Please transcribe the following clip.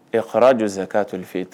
Ɛ ha jɔ k'a t toli fɛ' ta